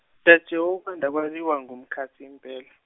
Tajewo ukwanda kwaliwa ngumkhathi mpela.